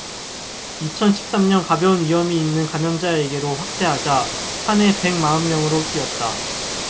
이천 십 삼 년 가벼운 위염이 있는 감염자에게로 확대하자 한 해 백 마흔 만명으로 뛰었다